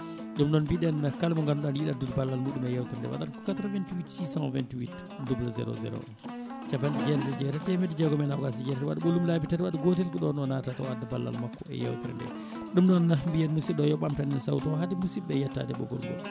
ɗum noon mbiɗen kala mo ganduɗa ne yiiɗi addude ballal muɗum e yewtere nde waɗata ko 88 628 00 01 capanɗe jetetati e jeetati temedde jeegom e nogas e jeetati waɗa ɓolum laabi tati waɗa gotel ko ɗon o naatata o adda ballal makko e yewtere nde ɗum noon mbiyen musidɗo o yo ɓamtan en sawti o haade musiɓɓeɓe yettade ɓoggol ngol